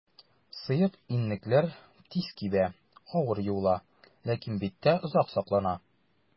Сыек иннекләр тиз кибә, авыр юыла, ләкин биттә озак саклана.